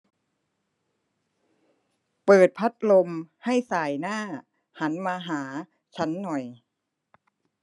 เปิดพัดลมให้ส่ายหน้าหันมาหาฉันหน่อย